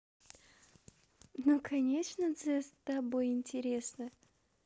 ну конечно the тобой интересно